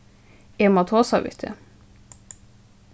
eg má tosa við teg